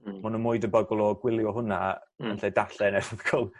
Hmm. ...ma' n'w mwy dibygol o gwylio hwnna... Hmm. ...yn 'lle darllen erthgl.